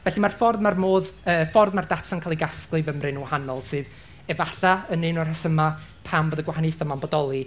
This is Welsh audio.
Felly, ma'r ffordd... ma'r modd... y ffordd ma'r data'n cael ei gasglu fymryn yn wahanol sydd efallai, yn un o'r rhesymau, pam fod y gwahaniaethau 'ma'n bodoli.